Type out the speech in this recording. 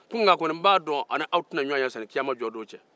ko nka a kɔni b'a dɔn a ni aw tɛna ɲɔgɔn ye sani kiyama jɔdon cɛ